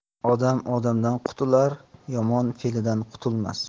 odam odamdan qutular yomon fe'lidan qutulmas